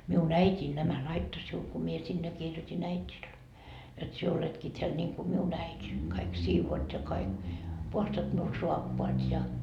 minun äitini nämä laittoi sinulle kun minä sinne kirjoitin äidille jotta sinä oletkin täällä niin kuin minun äiti kaikki siivoat ja kaikki puhdistat minulle saappaat ja